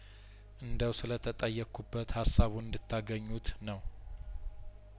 እንደው ስለተጠየቅ ኩበት ሀሳቡን እንድታገኙት ነው